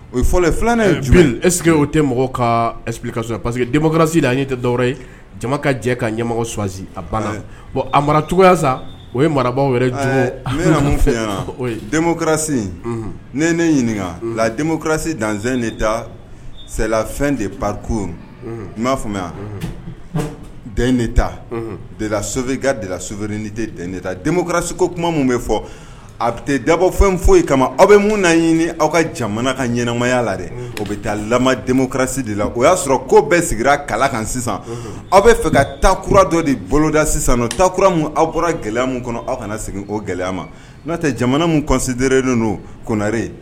O fɔlɔ filanan jumɛn eseke o tɛ mɔgɔ ka ep kaso pa parce que denmusorasi da an ye tɛ dɔw ye jama ka jɛ ka ɲɛmɔgɔ swasi a banna bon a mara cogoya sa o ye marabaa jɛ fɛ den kɛrasi ne ne ɲininka la denmusorasi dan de talafɛn de pak n b'a faamuya yan den de ta de sobi de so de ta denmusorasiko kuma min bɛ fɔ a bɛ dabɔfɛn foyi kama aw bɛ minnu naa ɲini aw ka jamana ka ɲɛnɛmaya la dɛ o bɛ taa la denmusokasi de la o y'a sɔrɔ ko bɛɛ sigira kala kan sisan aw bɛ fɛ ka ta kura dɔ de boloda sisan o takura minnu aw bɔra gɛlɛya min kɔnɔ aw kana segin o gɛlɛya ma n'a tɛ jamana min kɔnsitere don kore